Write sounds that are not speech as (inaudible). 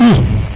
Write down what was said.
(hesitation) (hesitation)